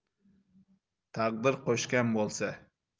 taqdir qo'shgan bo'lsa